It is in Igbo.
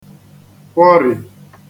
kwọrì